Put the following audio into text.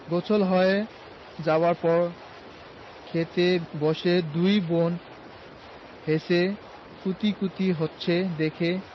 গোসল হয়ে যাবার পর খেতে বসে দুই বোন হেসে কুটিকুটি হচ্ছে দেখে